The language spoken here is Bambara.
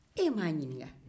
e ma a ɲinika